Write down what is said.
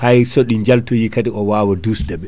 hay soɗi jaaltohi kaadi o wawa dusdeɓe